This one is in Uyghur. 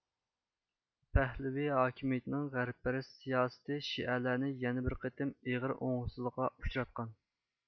پەھلىۋى ھاكىمىيىتىنىڭ غەربپەرەس سىياسىتى شىئەلەرنى يەنە بىر قېتىم ئېغىر ئوڭۇشسىزلىققا ئۇچراتقان